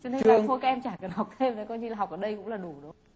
cho nên là thôi các em chả cần học thêm nữa coi như học ở đây cũng là đủ đúng